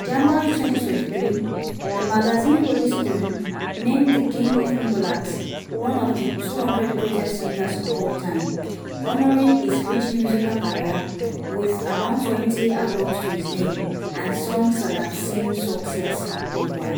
In January 2023, the magazine Rolling Stone named the king of Mbalax one of the 200 greatest singers of all time, honoring his rich musical career, with around twenty albums to his name and songs that have seen success worldwide.